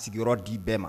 Sigiyɔrɔ di bɛɛ ma